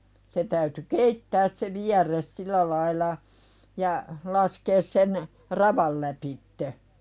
se täytyi keittää se vierre sillä lailla ja laskea sen ravan lävitse